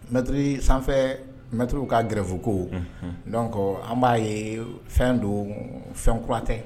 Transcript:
Maitre sanfɛ maitre w ka grève ko donc an b'a ye fɛn don fɛn kura tɛ.